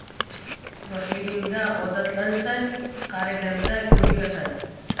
yoshligingda odatlansang qariganda ko'nikasan